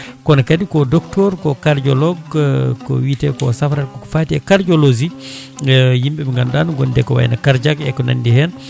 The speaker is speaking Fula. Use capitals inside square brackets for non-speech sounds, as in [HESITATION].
kono kadi ko docteur ko cardiologue ko ko wiite ko o safrata koko faate cardiologie [HESITATION] yimɓe ɓe ganduɗa ne gonde ko wayno cardiaque en e ko nandi hen